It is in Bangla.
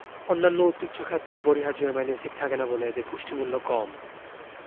অন্যান্য উদ্ভিজ্জ খাদ্যে অপরিহার্য অ্যামাইনো এসিড থাকে না বলে এদের পুষ্টিমূল্য কম